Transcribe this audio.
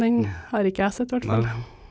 den har ikke jeg sett hvert fall.